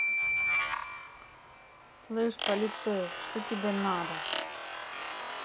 слышь полицей что тебе надо